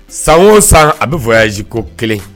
San o san a bɛ fji ko kelen